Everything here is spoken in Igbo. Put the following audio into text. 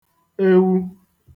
ewu